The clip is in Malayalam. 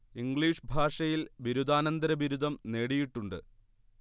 ഇംഗ്ലീഷ് ഭാഷയിൽ ബിരുദാനന്തര ബിരുദം നേടിയിട്ടുണ്ട്